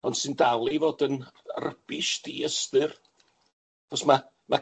Ond sy'n dal i fod yn rybish, di-ystyr, achos ma' ma'